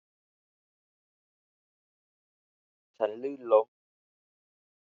ฉันลื่นล้ม